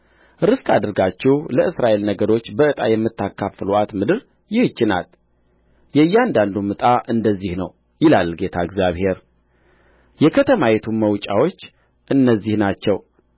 ርስት አድርጋችሁ ለእስራኤል ነገዶች በዕጣ የምታካፍሉአት ምድር ይህች ናት የእያንዳንዱም ዕጣ እንደዚህ ነው ይላል ጌታ እግዚአብሔር የከተማይቱም መውጫዎች እነዚህ ናቸው